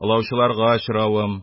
Олаучыларга очравым,